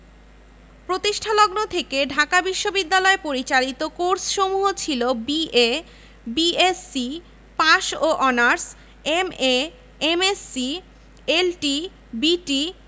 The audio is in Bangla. প্রতিষ্ঠালগ্ন থেকে ঢাকা বিশ্ববিদ্যালয় পরিচালিত কোর্সসমূহ ছিল বি.এ বি.এসসি পাস ও honours MA MSc LT BT